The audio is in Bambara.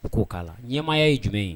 I k' k'ala. ɲɛmaaya ye jumɛn ye?